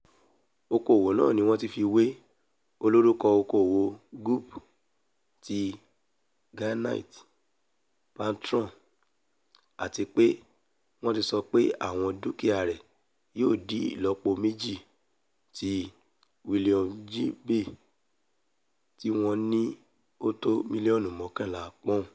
Oko-òwò náà ni wọ́n ti fiwé olorúkọ Oko-òwò Goop ti Gwyneth Paltrow àtipé wọ́n ti sọ pé àwọn dúkìá rẹ̀ yóò di ìlọ́po méjì ti Willoughby tí wọ́n ní ó tó mílíọ̀nù mọ́kànlá pọ́ùn.